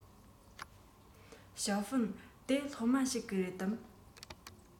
ཞའོ ཧྥུང དེ སློབ མ ཞིག རེད དམ